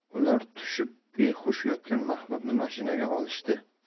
ular tushib behush yotgan mahmudni mashinaga olishdi